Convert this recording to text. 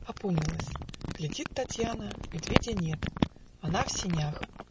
Опомнилась, глядит Татьяна: Медведя нет она в сенях